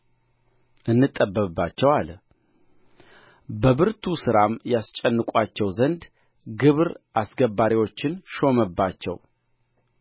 እንጠበብባቸው አለ በብርቱ ሥራም ያስጨንቁአቸው ዘንድ ግብር አስገባሪዎችን ሾመባቸው